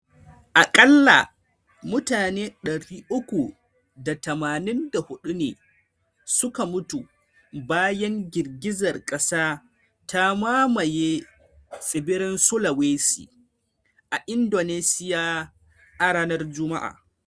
Akalla mutane 384 ne suka mutu bayan girgizar kasa ta mamaye tsibirin Sulawesi a Indonesia a ranar Juma’a.